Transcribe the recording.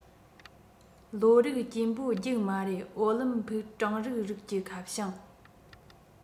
བློ རིག སྐྱེན པོའི རྒྱུགས མ རེད ཨོ ལིམ ཕིག གྲངས རིག རིགས ཀྱི ཁ བྱང